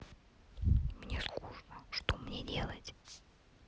мне скучно что мне делать